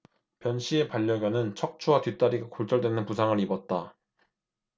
변씨의 반려견은 척추와 뒷다리가 골절되는 부상을 입었다